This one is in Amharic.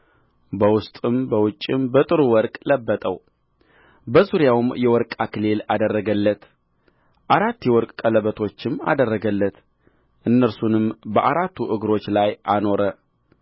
በውስጥም በውጭም በጥሩ ወርቅ ለበጠው በዙሪያውም የወርቅ አክሊል አደረገለት አራት የወርቅ ቀለበቶችም አደረገለት እነርሱንም በአራቱ እግሮቹ ላይ አኖረ